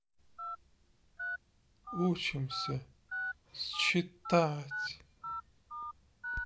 учимся считать